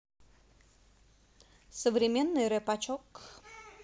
современный рэпачок